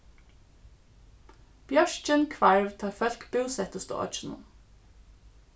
bjørkin hvarv tá fólk búsettust á oyggjunum